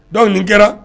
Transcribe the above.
Dɔnku ninnu kɛra